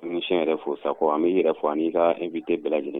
N si yɛrɛ fo sakɔ an bɛ yɛrɛ fɔ an ni ka n bɛ den bɛɛ lajɛlen